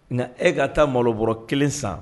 Nka e ka taa malobɔ kelen san